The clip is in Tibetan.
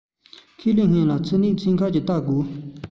ཁས ལེན སྔོན ལ ཕྱི ནད ཚན ཁག ལ བལྟ འདོད